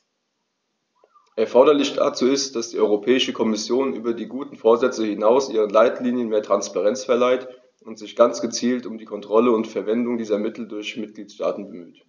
Erforderlich dazu ist, dass die Europäische Kommission über die guten Vorsätze hinaus ihren Leitlinien mehr Transparenz verleiht und sich ganz gezielt um die Kontrolle der Verwendung dieser Mittel durch die Mitgliedstaaten bemüht.